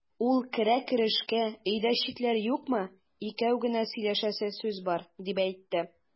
Ул керә-керешкә: "Өйдә читләр юкмы, икәү генә сөйләшәсе сүз бар", дип әйтте.